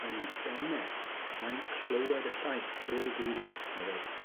yn 'i ben e, mae'n clywed y llais clywed y geirie medde'r